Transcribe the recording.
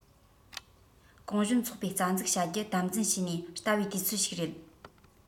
གུང གཞོན ཚོགས པའི རྩ འཛུགས བྱ རྒྱུ དམ འཛིན བྱས ནས བལྟ བའི དུས ཚོད ཞིག རེད